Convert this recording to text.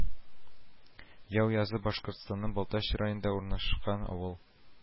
Яуязы Башкортстанның Балтач районында урнашкан авыл